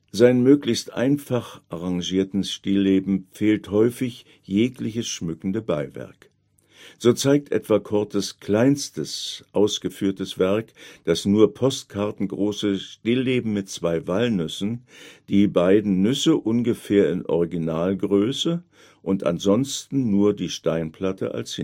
Seinen möglichst einfach arrangierten Stillleben fehlt häufig jegliches schmückende Beiwerk. So zeigt etwa Coortes kleinstes ausgeführtes Werk, das nur postkartengroße Stillleben mit zwei Walnüssen, die beiden Nüsse ungefähr in Originalgröße und ansonsten nur die Steinplatte als